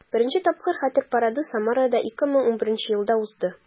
Беренче тапкыр Хәтер парады Самарада 2011 елда узды.